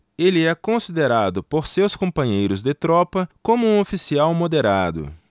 ele é considerado por seus companheiros de tropa como um oficial moderado